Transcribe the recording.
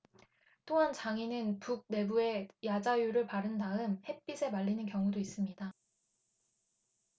또한 장인은 북 내부에 야자유를 바른 다음 햇빛에 말리는 경우도 있습니다